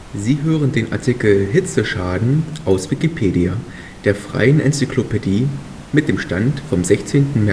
Sie hören den Artikel Hitzeschaden, aus Wikipedia, der freien Enzyklopädie. Mit dem Stand vom Der